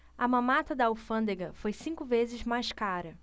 a mamata da alfândega foi cinco vezes mais cara